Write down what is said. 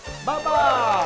ba ba